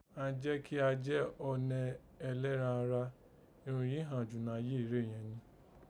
An jẹ́ kí a jẹ́ ọnẹ ẹlẹ́ran ara, irun yìí ghàn jù nayé rèé yẹ̀n rin